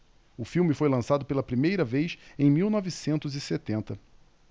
o filme foi lançado pela primeira vez em mil novecentos e setenta